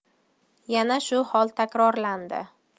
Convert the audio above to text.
yana shu hol takrorlandi